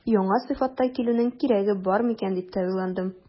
Яңа сыйфатта килүнең кирәге бар микән дип тә уйландым.